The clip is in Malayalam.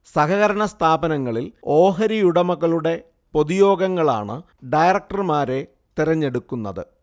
സഹകരണ സ്ഥാപനങ്ങളിൽ ഓഹരിയുടമകളുടെ പൊതുയോഗങ്ങളാണ് ഡയറക്ടർമാരെ തെരഞ്ഞെടുക്കുന്നത്